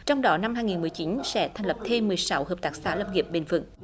trong đó năm hai nghìn mười chín sẽ thành lập thêm mười sáu hợp tác xã lâm nghiệp bền vững